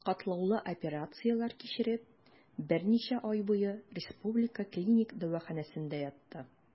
Катлаулы операцияләр кичереп, берничә ай буе Республика клиник дәваханәсендә ятты.